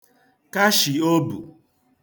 kashì obù